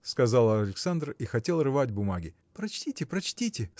– сказал Александр и хотел рвать бумаги. – Прочтите, прочтите!